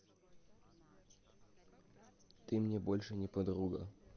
ты мне больше не подруга